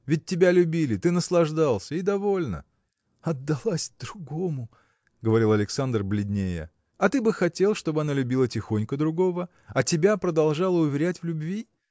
ведь тебя любили, ты наслаждался – и довольно! – Отдалась другому! – говорил Александр, бледнея. – А ты бы хотел чтоб она любила тихонько другого а тебя продолжала уверять в любви?